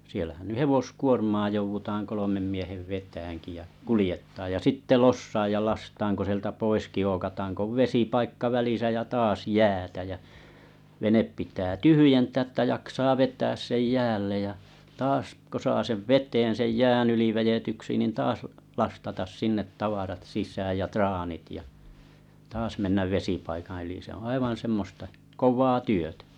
siellähän nyt hevoskuormaa joudutaan kolmen miehen vetämäänkin ja kuljettamaan ja sitten lossaamaan ja lastaamaan kun sieltä poiskin ookataan kun on vesipaikka välissä ja taas jäätä ja vene pitää tyhjentää jotta jaksaa vetää sen jäälle ja taas kun saa sen veteen sen jään yli vedetyksi niin taas lastata sinne sisään ja traanit ja taas mennä vesipaikan yli se on aivan semmoista kovaa työtä